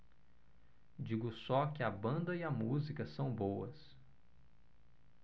digo só que a banda e a música são boas